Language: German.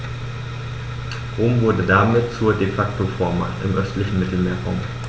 Rom wurde damit zur ‚De-Facto-Vormacht‘ im östlichen Mittelmeerraum.